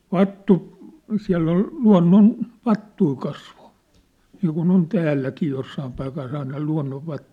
- siellä oli - luonnonvattuja kasvoi niin kuin on täälläkin jossakin paikassa aina luonnonvattuja